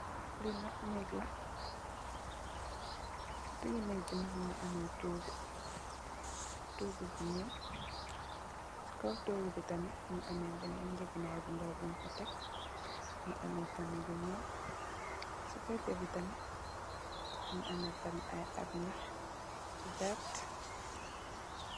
Li nak neeg la si digi neeg bi mogi ame togu togu bu nuul si kaw togu tamit mongi ame benen ngegenay bu ndaw bung fa tek mongi ame tam lu nuul si pege bi tamit mongi ame tam ay ap nxaax bu verta.